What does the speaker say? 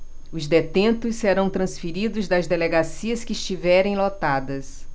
os detentos serão transferidos das delegacias que estiverem lotadas